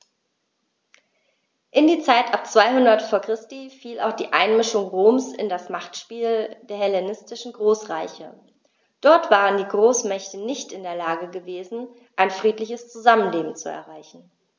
In die Zeit ab 200 v. Chr. fiel auch die Einmischung Roms in das Machtspiel der hellenistischen Großreiche: Dort waren die Großmächte nicht in der Lage gewesen, ein friedliches Zusammenleben zu erreichen.